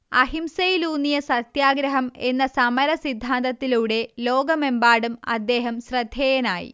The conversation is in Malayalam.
അഹിംസയിലൂന്നിയ സത്യാഗ്രഹം എന്ന സമര സിദ്ധാന്തത്തിലൂടെ ലോകമെമ്പാടും അദ്ദേഹം ശ്രദ്ധേയനായി